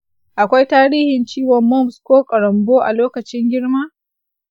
akwai tarihin ciwon mumps ko karonbo a lokacin girma?